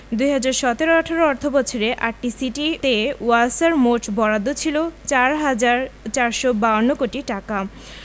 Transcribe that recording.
২০১৭ ১৮ অর্থবছরে আটটি সিটিতে ওয়াসার মোট বরাদ্দ ছিল ৪ হাজার ৪৫২ কোটি টাকা